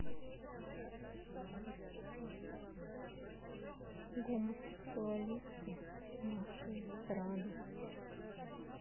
гомосексуалисты нашей эстрады